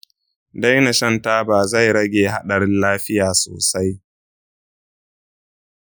daina shan taba zai rage haɗarin lafiya sosai.